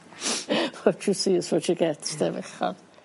What you see is what you get 'de bechod.